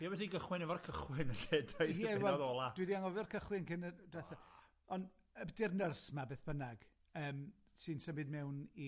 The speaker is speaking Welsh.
Be' am i ti gychwyn efo'r cychwyn yn lle deud y penod ola? Ie, wel dwi 'di anghofio'r cychwyn cyn yy dwetha, on' abytu'r nyrs 'ma, beth bynnag, yym, sy'n symud mewn i